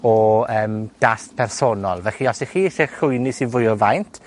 o, yym, dast personol. Felly, os 'ych chi isie llwyni sy fwy o faint,